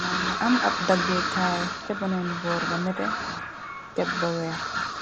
moo nga am ab daggekaay cabaneen boor ba nete jet ba weex